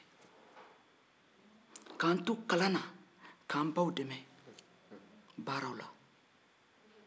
k'an to kalan na k'an baw dɛme baaraw la